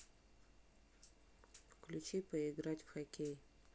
включи поиграть в хоккей